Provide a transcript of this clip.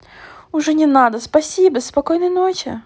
уже не надо спасибо спокойной ночи